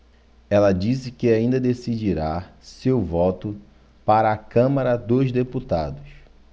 ela disse que ainda decidirá seu voto para a câmara dos deputados